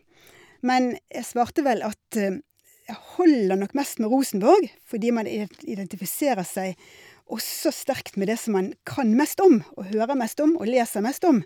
Men jeg svarte vel at jeg holder nok mest med Rosenborg, fordi man iet identifiserer seg også sterkt med det som man kan mest om og hører mest om og leser mest om.